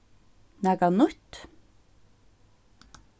nakað nýtt